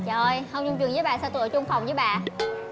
trời không chung trường với bà sao tui ở chung phòng với bà